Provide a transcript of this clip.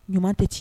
Ɲuman tɛ ci